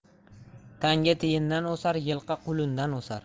tanga tiyindan o'sar yilqi qulundan o'sar